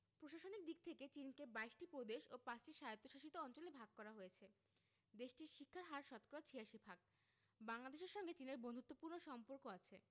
প্রশাসনিক দিক থেকে চিনকে ২২ টি প্রদেশ ও ৫ টি স্বায়ত্তশাসিত অঞ্চলে ভাগ করা হয়েছে দেশটির শিক্ষার হার শতকরা ৮৬ ভাগ বাংলাদেশের সঙ্গে চীনের বন্ধুত্বপূর্ণ সম্পর্ক আছে